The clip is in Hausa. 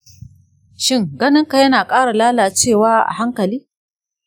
shin ganinka yana ƙara lalacewa a hankali?